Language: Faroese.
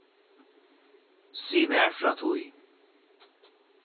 sig mær frá tí